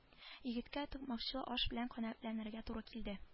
Егеткә токмачлы аш белән канәгатьләнергә туры килде